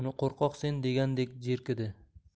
uni qo'rqoqsen degandek jerkidi